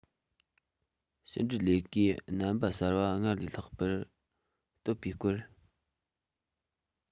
ཕྱི འབྲེལ ལས ཀའི རྣམ པ གསར པ སྔར ལས ལྷག པར གཏོད པའི སྐོར